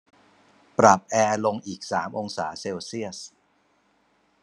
ปรับแอร์ลงอีกสามองศาเซลเซียส